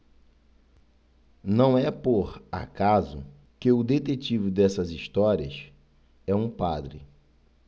não é por acaso que o detetive dessas histórias é um padre